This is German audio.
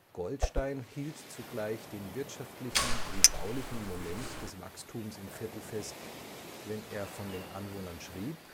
Goldstein hielt zugleich den wirtschaftlichen wie baulichen Moment des Wachstums im Viertel fest, wenn er von den Anwohnern schrieb